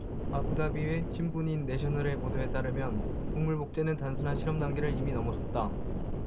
아부다비의 신문인 내셔널 의 보도에 따르면 동물 복제는 단순한 실험 단계를 이미 넘어섰다